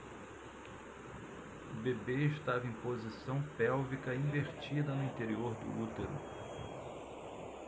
o bebê estava em posição pélvica invertida no interior do útero